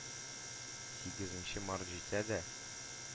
Сигезенче март җитсә дә,